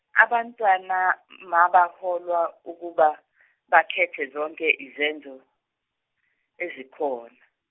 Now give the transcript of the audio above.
abantwana mabaholwe ukuba bakhethe zonke izenzo ezikhona.